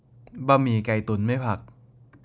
บะหมี่ไก่ตุ่นไม่ผัก